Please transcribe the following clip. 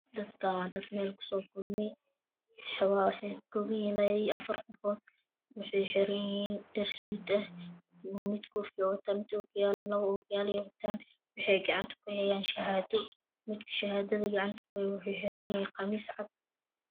Dadkaan waa dad meel ku soo kulmay waxaa waaye waxay ka kooban yihiin ilaa iyo afar qofood. waxay xiran yihiin dhar suud ah mid koofi wadaa mid ookiyaalo wadaa labo ookiyaalo wataan. waxay gacanta ku hayaan shahaado midka shahaadada gacanta ku yaaho wuxuu xiran yahay qamiis cad